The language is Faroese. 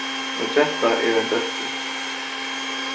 ein genta er ein dóttir